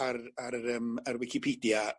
ar ar yr yym ar wicipedia